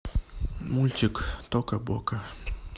мультик тока бока